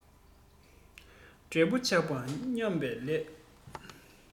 འབྲས བུ ཆགས པ ཉམས པའི ལྟས